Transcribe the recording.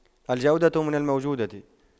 الجودة من الموجودة